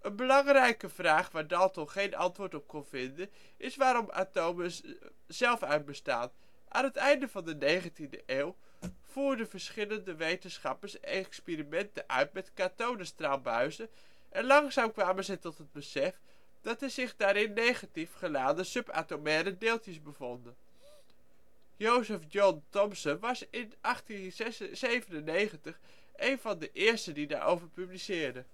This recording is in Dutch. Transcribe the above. belangrijke vraag waar Dalton geen antwoord op kon vinden, was waar atomen zelf uit bestaan. Aan het einde van de 19e eeuw voerden verschillende wetenschappers experimenten uit met kathodestraalbuizen en langzaam kwamen zij tot het besef dat er zich daarin negatief geladen subatomaire deeltjes bevonden. Joseph John Thomson was in 1897 een van de eersten die daarover publiceerden